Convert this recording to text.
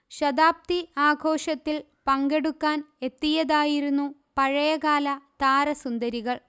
ശതാബ്ദി ആഘോഷത്തിൽ പങ്കെടുക്കാൻഎത്തിയതായിരുന്നു പഴയകാല താരസുന്ദരികൾ